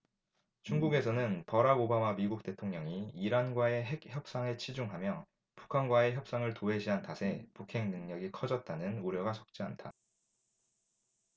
중국에서는 버락 오바마 미국 대통령이 이란과의 핵 협상에 치중하며 북한과의 협상을 도외시한 탓에 북핵 능력이 커졌다는 우려가 적지 않다